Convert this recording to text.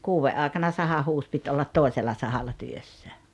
kuuden aikana saha huusi piti olla toisella sahalla työssä